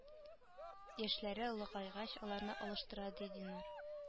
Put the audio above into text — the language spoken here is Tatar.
Яшьләре олыгайгач аларны алыштыра ди динар